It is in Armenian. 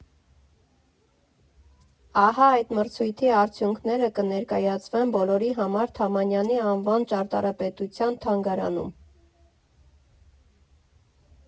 Ահա այդ մրցույթի արդյունքները կներկայացվեն բոլորի համար Թամանյանի անվան ճարտարապետության թանգարանում։